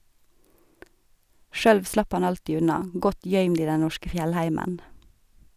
Sjølv slapp han alltid unna , godt gøymd i den norske fjellheimen.